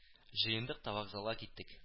Җыендык та вокзалга киттек